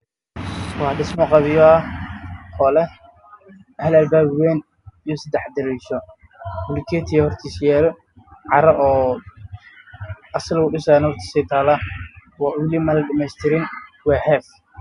Waa dhismo qabyo ah oo leh hal albaab wayn